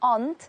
ond